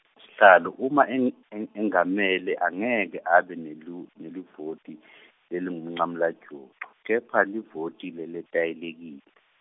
Sihlalo uma eng- eng- engamele, angeke abe nelu-, nelivoti lelingumncamlajucu, kepha livoti leletayeleki- .